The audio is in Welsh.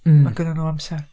Mae gynnon nhw amser... Mm.